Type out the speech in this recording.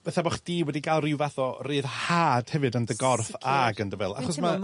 fatha bo' chdi wedi ga'l ryw fath o ryddhad hefyd yn dy gorff ag yn dy feddwl, achos ma'...